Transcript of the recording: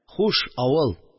Хуш, авыл